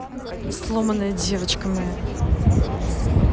сломанная девочка моя